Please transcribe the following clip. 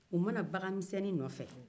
u ma na bagan misennin nɔfɛ